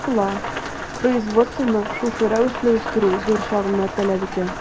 Аңлашыла, производствоны шушы рәвешле үстерү зур чыгымнар таләп итә.